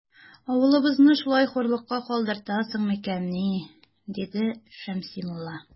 Авылыбызны шулай хурлыкка калдыртасың микәнни? - диде Шәмси мулла.